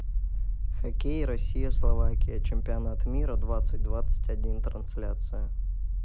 хоккей россия словакия чемпионат мира двадцать двадцать один трансляция